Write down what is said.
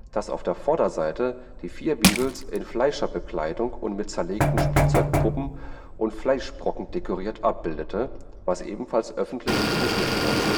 das auf der Vorderseite die vier Beatles in Fleischerkleidung und mit zerlegten Spielzeugpuppen und Fleischbrocken dekoriert abbildete, was ebenfalls öffentlich kritisiert wurde